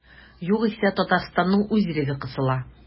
Югыйсә Татарстанның үз иреге кысыла.